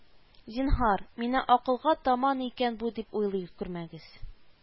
Зинһар, мине акылга таман икән бу дип уйлый күрмәгез